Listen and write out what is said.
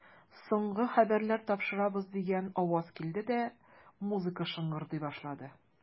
Соңгы хәбәрләр тапшырабыз, дигән аваз килде дә, музыка шыңгырдый башлады.